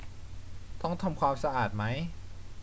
ต้องทำความสะอาดไหม